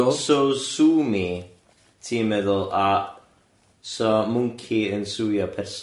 So so sue me, ti'n meddwl a, so mwnci yn sueio person ia?